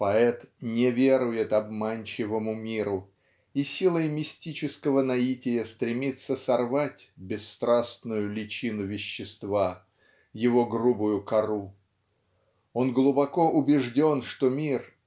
Поэт "не верует обманчивому миру" и силой мистического наития стремится сорвать "бесстрастную личину вещества" его "грубую кору". Он глубоко убежден что мир